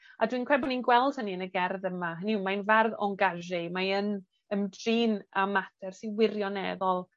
A dwi'n cre'u bo ni'n gweld hynny yn y gerdd yma, hynny yw mae'n fadd engage, mae yn ymdrin â mater sy wirioneddol